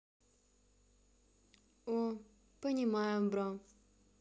о понимаю бро